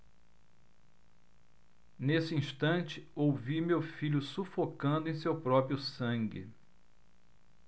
nesse instante ouvi meu filho sufocando em seu próprio sangue